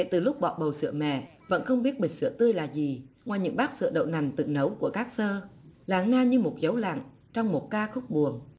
kể từ lúc bỏ bầu sữa mẹ vẫn không biết bởi sữa tươi là gì ngoài những bát sữa đậu nành tự nấu của các sơ lắng nghe như một dấu lặng trong một ca khúc buồn